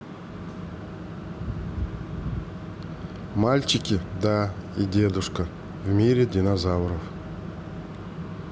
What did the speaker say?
мальчики да и дедушка в мире динозавров